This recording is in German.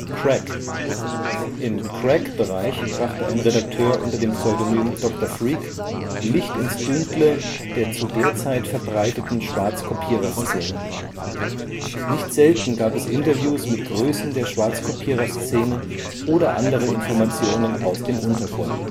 Crack: Im Crack-Bereich brachte ein Redakteur unter dem Pseudonym Dr. Freak Licht ins Dunkle der zu der Zeit verbreiteten Schwarzkopierer-Szene. Nicht selten gab es Interviews mit Größen der Schwarzkopierer-Szene oder andere Informationen aus dem Untergrund